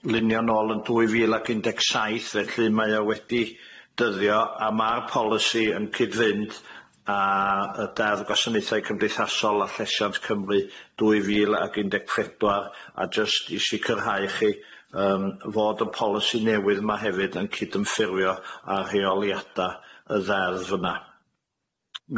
lunio nôl yn dwy fil ag un deg saith felly mae o wedi dyddio a ma'r polisi yn cyd-fynd â y deddf gwasanaethau cymdeithasol a lleshiant Cymru dwy fil ag un deg phedwar a jyst i sicrhau i chi yym fod y polisi newydd yma hefyd yn cydymffurfio â rheoliada y ddeddf yma.